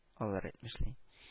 Олылар әйтмешли